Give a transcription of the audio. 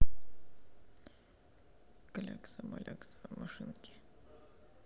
клякса малякса машинки